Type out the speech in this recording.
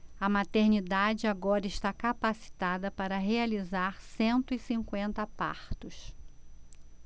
a maternidade agora está capacitada para realizar cento e cinquenta partos